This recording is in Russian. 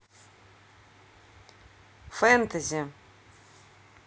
фэнтези